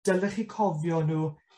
dylech chi cofi nw